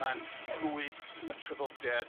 ma'n ffrwyth y traddodiad